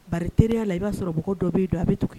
Baeliya la i b'a sɔrɔɔgɔ dɔ b'i don a bɛ tugu yen